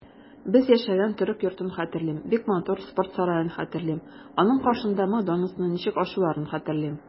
Без яшәгән төрек йортын хәтерлим, бик матур спорт сараен хәтерлим, аның каршында "Макдоналдс"ны ничек ачуларын хәтерлим.